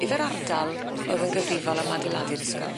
Yfe'r ardal o'dd yn gyfrifol am adeiladu'r ysgol?